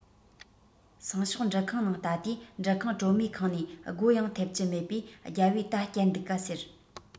སང ཞོགས འབྲུ ཁང ནང ལྟ དུས འབྲུ ཁང གྲོ མས ཁེངས ནས སྒོ ཡང འཐེབ ཀྱི མེད པས རྒྱལ པོས ད བསྐྱལ འདུག ག ཟེར